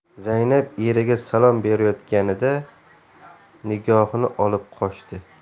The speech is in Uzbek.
zaynab eriga salom berayotganida nigohini olib qochdi